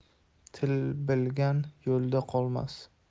til bilgan yo'lda qolmas